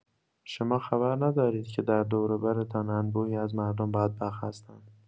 شما خبر ندارید که در دوروبرتان انبوهی از مردم بدبخت هستند.